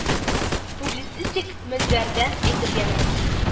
Публицистик мөнбәрдән әйтергә мөмкин